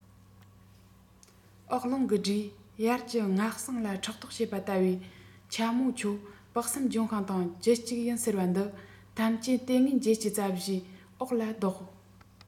འོག རླུང གི སྒྲས དབྱར གྱི རྔ བསངས ལ ཕྲག དོག བྱེད པ ལྟ བུའི འཁྱམས མོ ཁྱོད དཔག བསམ ལྗོན ཤིང དང རྒྱུད གཅིག ཡིན ཟེར བ འདི ཐམས ཅད ལྟས ངན བརྒྱད ཅུ རྩ བཞིའི འོག ལ བཟློག